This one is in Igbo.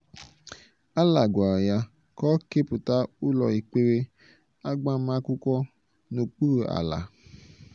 Allah gwara ya ka o kepụta ụlọ ekpere agbamakwụkwọ n'okpuru ala.